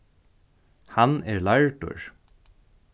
hann er lærdur